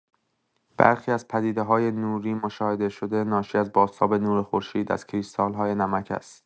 برخی از پدیده‌های نوری مشاهده شده ناشی از بازتاب نور خورشید از کریستال‌های نمک است.